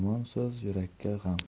yomon so'z yurakka g'am